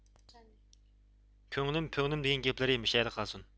كۆڭلۈم پۈڭلۈم دېگەن گەپلىرى مەشەدە قالسۇن